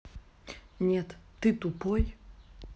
нет ты тупой